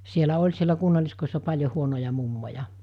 siellä oli siellä kunnalliskodissa paljon huonoja mummoja